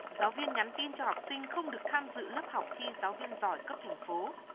giáo viên nhắn tin cho học sinh không được tham dự lớp học thi giáo viên giỏi cấp thành phố